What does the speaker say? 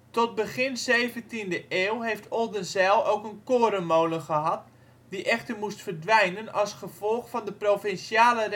Tot begin 17e eeuw heeft Oldenzijl ook een korenmolen gehad, die echter moest verdwijnen als gevolg van de provinciale